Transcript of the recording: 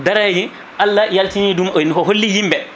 daaraje Allah yaltini ɗum o holli yimɓe